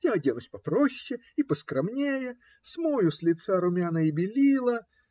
Я оденусь попроще и поскромнее, смою с лица румяна и белила.